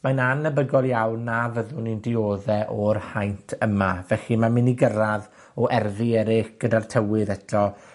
mae'n anebygol iawn na fyddwn ni'n diodde o'r haint yma. Felly, ma'n myn' i gyrradd o erddi eryll gyda'r tywydd eto,